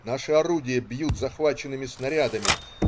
Наши орудия бьют захваченными снарядами.